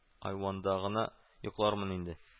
Айванда гына йоклармын инде